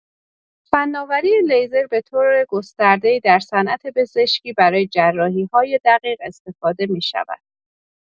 فناوری لیزر به‌طور گسترده‌ای در صنعت پزشکی برای جراحی‌های دقیق استفاده می‌شود.